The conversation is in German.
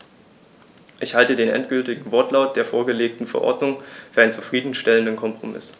Ich halte den endgültigen Wortlaut der vorgelegten Verordnung für einen zufrieden stellenden Kompromiss.